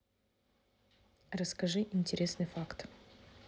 расскажи интересный факт